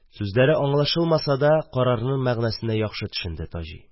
Сүзләре аңлашылмаса да, карарның мәгънәсенә яхшы төшенде Таҗи